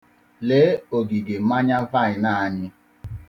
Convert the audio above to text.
Lee ogige mmanya vaịn anyị.